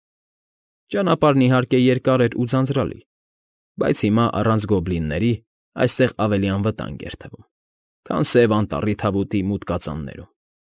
Ճանապարհն, իհարկե, երկար էր ու ձանձրալի, բայց հիմա, առանց գոբլինների, այստեղ ավելի անվտանգ էր թվում, քան Սև Անտառի թավուտի մութ կածաններում։